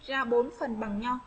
ra phần bằng nhau